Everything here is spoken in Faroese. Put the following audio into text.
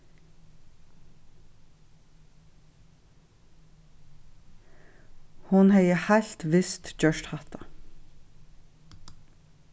hon hevði heilt vist gjørt hatta